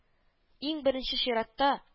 Иң беренче чиратта